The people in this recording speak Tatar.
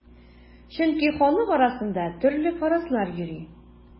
Чөнки халык арасында төрле фаразлар йөри.